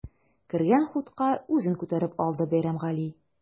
Кергән хутка үзен күтәреп алды Бәйрәмгали.